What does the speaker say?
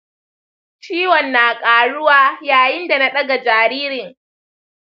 ciwon na ƙaruwa yayin da na ɗaga jaririn.